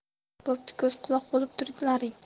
bo'pti ko'z quloq bo'lib turlaring